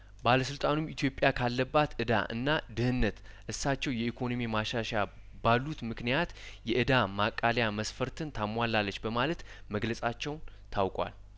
ባለስልጣኑም ኢትዮጵያ ካለባት እዳ እና ድህነት እሳቸው የኢኮኖሚ ማሻሻያ ባሉት ምክንያት የእዳ ማቃለያ መስፈርትን ታሟላለች በማለት መግለጻቸውም ታውቋል